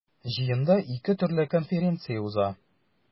Җыенда ике төрле конференция уза.